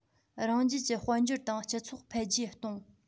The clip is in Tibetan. རང རྒྱལ གྱི དཔལ འབྱོར དང སྤྱི ཚོགས འཕེལ རྒྱས གཏོང